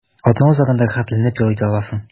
Атна азагында рәхәтләнеп ял итә аласың.